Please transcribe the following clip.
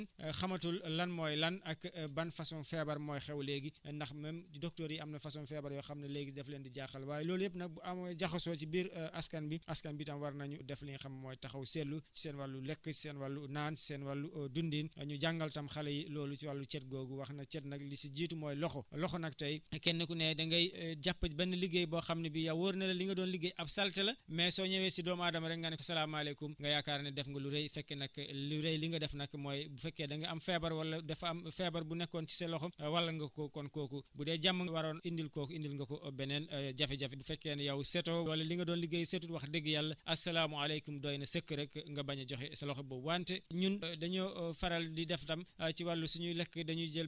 yooyu yëpp ay comportements yoo xam ne ñun doomu aadama yi yëpp dafa jaxasoo ba kenn xamatul lan mooy lan ak ban façon feebar mooy xew léegi ndax même docteur yi am na façon feebar yoo xam ne léegi daf leen di jaaxal waaye loolu yëpp nag bu amee jaxasoo ci biir askan bi askan bi tam war nañu def li nga xam ne mooy taxaw seetlu seen wàllu lekk seen wàllu naan seen wàllu dundin ñu jàngal tam xale yi loolu si wàllu cet googu wax na cet nag li ci jiitu mooy loxo loxo nag tey kenn ku ne da ngay jàpp benn liggéey boo xam ne bi yow wóor na la li nga doon liggéey ab saleté la mais soo ñëwee si doomu aadama rek nga ne salaamaaleykum nga yaakaar ne def nga lu rëy fekk nag lu rëy li nga def nag mooy bu fekkee da nga am feebar wala dafa am feebar bu nekkoon ci say loxo wàll nga ko ko kon kooku bu dee jàmm nga waroon indil kooku indil nga ko beneen jafe-jafe bu fekkee ni yow setoo wala li nga doon liggéey setul wax dëgg yàlla asalaamaaleykum doy na sëkk rek nga bañ a joxe sa loxo boobu